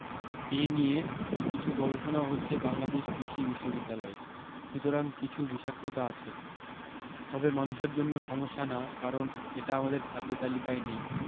এই নিয়ে কিছু গবেষণাও হচ্ছে বাংলাদেশ কৃষি বিশ্ববিদ্যালয়ে সুতরাং কিছু বিষাক্ততা আছে তবে মানুষের জন্য সমস্যা না কারণ এটা আমাদের খাদ্যতালিকায় নেই